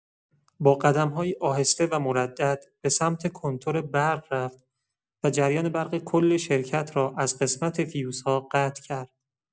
با قدم‌هایی آهسته و مردد به‌سمت کنتور برق رفت و جریان برق کل شرکت را از قسمت فیوزها قطع کرد.